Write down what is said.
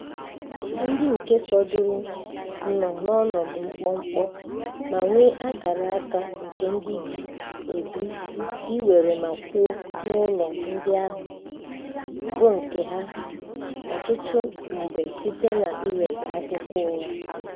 Ndị nke fọdụru nọ n'ọnọdụ mkpọmkpọ ma nwee akaraka nke ndị bi ebi iwere ma kwuo n'ụlọ ndị ahụ bụ nke ha (ọtụtụ mgbe site n'iweta akwụkwọ ụgha).